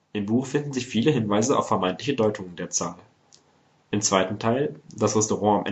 Im Buch finden sich viele Hinweise auf vermeintliche Deutungen der Zahl. Im zweiten Teil („ Das Restaurant